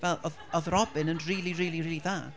Fel oedd, oedd Robin yn rili rili rili dda.